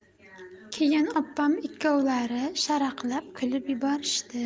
keyin opam ikkovlari sharaqlab kulib yuborishdi